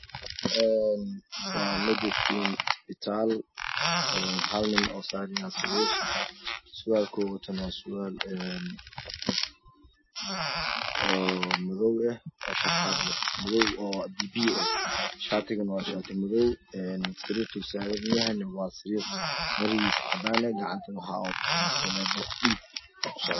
Waa ispitaal hal nin usaaran yahy sariir surwaalkuu watana waa surwal oo madow ah oo sharaaxd leh madowgiisna uu yahy madow piya piya ah shatiga waa shati madow sariirta uu saran yahay waa sariir maradiisa cadaan yahy gacanta waxaa ugu jira faleenbo dhiig aa oga socdo